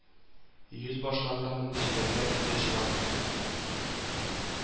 Йөз башларында мондый җиләннәр инде очрамый